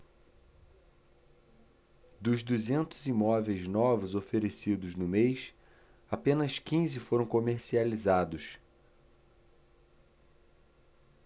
dos duzentos imóveis novos oferecidos no mês apenas quinze foram comercializados